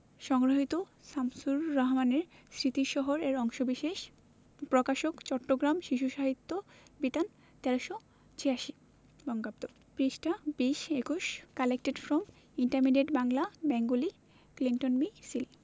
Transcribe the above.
সংগৃহীত শামসুর রাহমানের স্মৃতির শহর এর অংশবিশেষ প্রকাশকঃ চট্টগ্রাম শিশু সাহিত্য বিতান ১৩৮৬ বঙ্গাব্দ পৃষ্ঠাঃ ২০ ২১ collected from intermediate Bangla Bengali Clinton B Seely